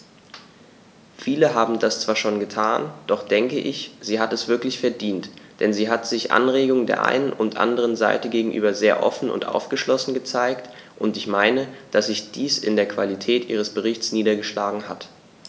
Viele haben das zwar schon getan, doch ich denke, sie hat es wirklich verdient, denn sie hat sich Anregungen der einen und anderen Seite gegenüber sehr offen und aufgeschlossen gezeigt, und ich meine, dass sich dies in der Qualität ihres Berichts niedergeschlagen hat.